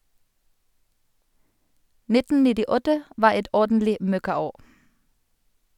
- 1998 var et ordentlig møkkaår.